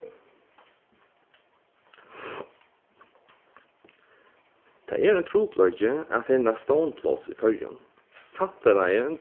tað er ein trupulleiki at finna stovnspláss í føroyum samfelagið